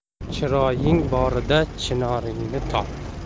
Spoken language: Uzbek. chiroying borida chinoringni top